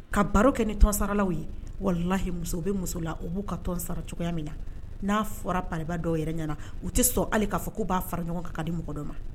Ka baro kɛ ni tɔn saralaw ye wala lahi muso bɛ muso la u b'u ka tɔn sara cogoya min na n'a fɔra pa dɔw yɛrɛ ɲɛna u tɛ sɔn hali' fɔ k ko b'a fara ɲɔgɔn kan ka di mɔgɔ dɔ ma